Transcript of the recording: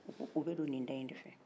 u ko u bɛ don nin da in de fɛ